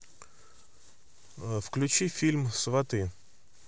включи фильм сваты